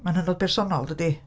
Mae'n hynod bersonol, dydi?